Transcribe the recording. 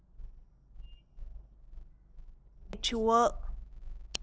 ཞེས པའི འདྲི བ